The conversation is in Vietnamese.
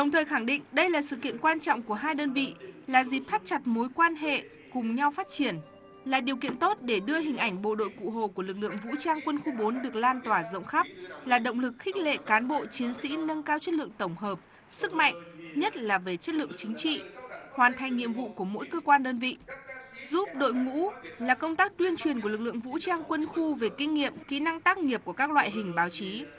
đồng thời khẳng định đây là sự kiện quan trọng của hai đơn vị là dịp thắt chặt mối quan hệ cùng nhau phát triển là điều kiện tốt để đưa hình ảnh bộ đội cụ hồ của lực lượng vũ trang quân khu bốn được lan tỏa rộng khắp là động lực khích lệ cán bộ chiến sĩ nâng cao chất lượng tổng hợp sức mạnh nhất là về chất lượng chính trị hoàn thành nhiệm vụ của mỗi cơ quan đơn vị giúp đội ngũ là công tác tuyên truyền của lực lượng vũ trang quân khu về kinh nghiệm kỹ năng tác nghiệp của các loại hình báo chí